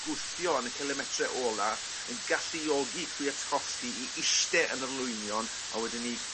gwthio yn y cilometre ola yn galluogi Kwiatkowski i iste yn olwynion a wedyn 'ny